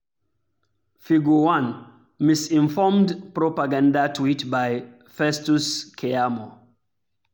Figure 1: Misinformed propaganda tweet by Festus Keyamo